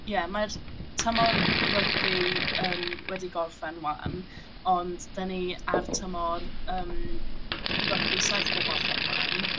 Ie mae'r tymor rygbi, yym, wedi gorffen 'wan . Ond dan ni ar tymor yym rygbi saith bob ochr 'wan.